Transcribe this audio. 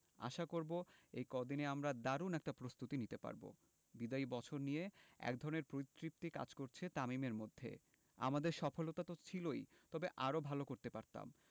আশা করব এই কদিনে আমরা দারুণ একটা প্রস্তুতি নিতে পারব বিদায়ী বছর নিয়ে একধরনের পরিতৃপ্তি কাজ করছে তামিমের মধ্যে আমাদের সফলতা তো ছিলই তবে আরও ভালো করতে পারতাম